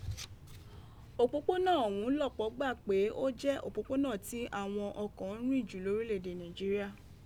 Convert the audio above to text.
Opopona ọhun lọpọ gba pe o jẹ opopona ti awọn ọkọ n rin ju lorilẹede Naijiria.